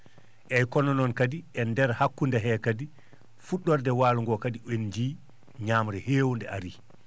eeyi kono noon kadi e nder hakkude hee kadi fu??orde waalo ngo kadi en jiyii ñaamre heewnde arii